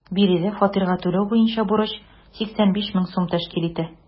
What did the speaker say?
Биредә фатирга түләү буенча бурыч 85 мең сум тәшкил итә.